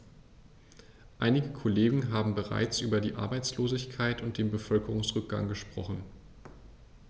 Einige Kollegen haben bereits über die Arbeitslosigkeit und den Bevölkerungsrückgang gesprochen.